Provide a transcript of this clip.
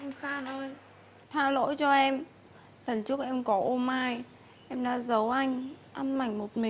anh phan ơi tha lỗi cho em lần trước em có ô mai em đã giấu anh ăn mảnh một mình